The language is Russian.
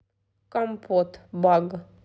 компот баг